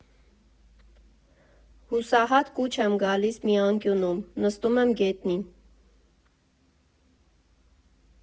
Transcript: Հուսահատ կուչ եմ գալիս մի անկյունում, նստում եմ գետնին։